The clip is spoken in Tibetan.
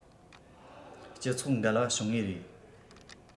སྤྱི ཚོགས འགལ བ བྱུང ངེས རེད